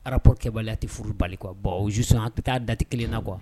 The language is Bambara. Rapport kɛbaliya tɛ furu bali quoi, bon au juste n hakili t'a date kelen na quoi